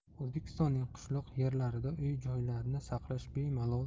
o'zbekistonning qishloq yerlarida uy joylarni saqlash bemalol